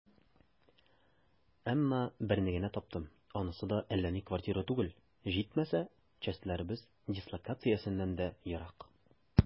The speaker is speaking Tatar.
Әмма берне генә таптым, анысы да әллә ни квартира түгел, җитмәсә, частьләребез дислокациясеннән дә ерак.